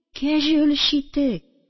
Кәҗүл читек